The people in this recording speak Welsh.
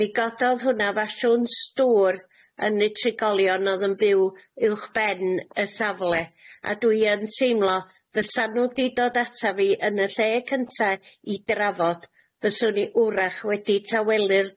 Mi gododd hwnna faswn stŵr yn y trigolion odd yn byw uwchben y safle a dwi yn teimlo fysan nw di dod ata fi yn y lle cynta i drafod fyswn i wrach wedi tawelu'r